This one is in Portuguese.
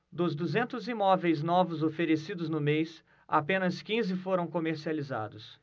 dos duzentos imóveis novos oferecidos no mês apenas quinze foram comercializados